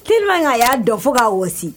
T ka a y'a dɔn fo k ka gosi